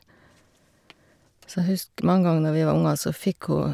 Så jeg husker mange ganger når vi var unger, så fikk hun...